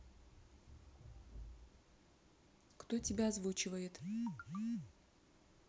кто тебя озвучивает